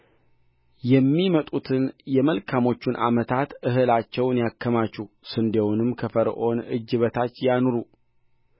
የሚመጡትን የመልካሞቹን ዓመታት እህላቸውን ያከማቹ ስንዴውንም ከፈርዖን እጅ በታች ያኑሩ